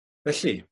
Felly,